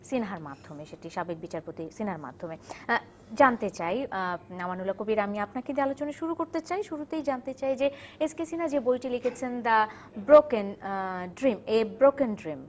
সিনহার মাধ্যমে সেটি সাবেক বিচারপতি সিনহার মাধ্যমে জানতে চাই আমানুল্লাহ কবীর আমি আপনাকে দিয়ে আলোচনা শুরু করতে চাই শুরুতে জানতে চাই জে এস কে সিনহা যে বইটি লিখেছেন the broken dream a broken dream